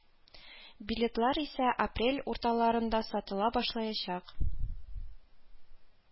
Билетлар исә апрель урталарында сатыла башлаячак